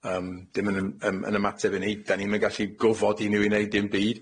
Yym, dim yn ym- yym yn ymateb i ni. 'Dan ni'm yn gallu go'fodi n'w i neud dim byd.